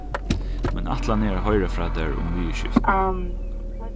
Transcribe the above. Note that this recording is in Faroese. mín ætlan er at hoyra frá tær um viðurskiftini